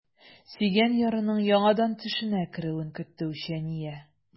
Сөйгән ярының яңадан төшенә керүен көтте үчәния.